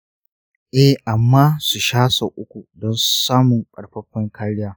eh, amma su sha sau uku don samun ƙaƙƙarfan kariya.